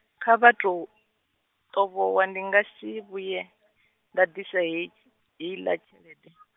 kha vha tou, ṱovhowa ndi nga si vhuya nda ḓisa he-, hei ḽa tshelede.